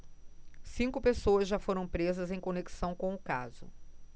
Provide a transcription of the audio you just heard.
cinco pessoas já foram presas em conexão com o caso